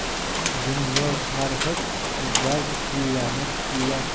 dunyo tarixi kuchsizlar kuchlilarni kuchlilar